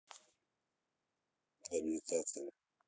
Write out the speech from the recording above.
для медитации